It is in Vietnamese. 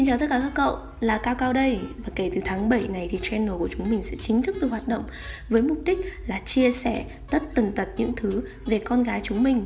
xin chào tất cả các cậu là cao cao đây kể từ tháng này thì channel của chúng mình sẽ chính thức được hoạt động với mục đích là chia sẻ tất tần tật những thứ về con gái chúng mình